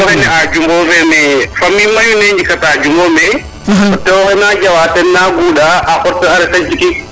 waxey ne a Jumbo fene famille mayu ne njika ta Jumbo mais tewoxe na jawa tena gunda a xot a reta jukik